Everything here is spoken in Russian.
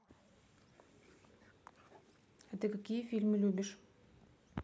а ты какие фильмы любишь